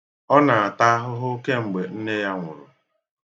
Ọ na-ata ahụhụ kemgbe nne ya nwụrụ.